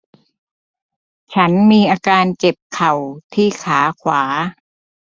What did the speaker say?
ฉันมีอาการเจ็บเข่าที่ขาขวา